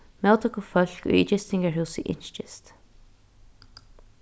móttøkufólk í gistingarhúsi ynskist